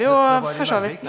det det var i Larvik.